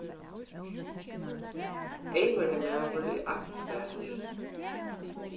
eymur er maður ið agn sparir